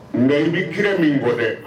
Nka i bɛ kira min kɔ dɛ